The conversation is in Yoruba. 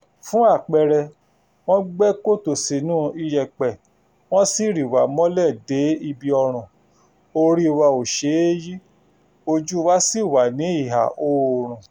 Fún àpẹẹrẹ, wọ́n gbẹ́ kòtò sínú iyẹ̀pẹ̀, wọ́n sì rì wá mọ́lẹ̀ dé ibi ọrùn, orí wa ò ṣe é yí, ojú wa sì wà ní ìhà oòrùn.